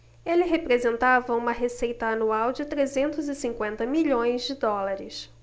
ele representava uma receita anual de trezentos e cinquenta milhões de dólares